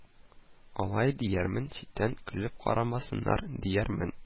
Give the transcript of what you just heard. Алай, диярмен, читтән көлеп карамасыннар, диярмен